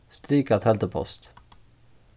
strika teldupost